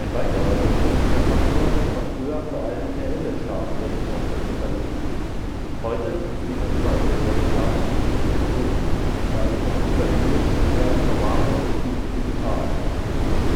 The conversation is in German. weiterer wirtschaftlicher Faktor war früher vor allem der Image-Schaden der betroffenen Unternehmen, heute ist dieser immaterielle Schaden nicht mehr so hoch, da ein Computervirus schon eher als normale und übliche Gefahr akzeptiert wird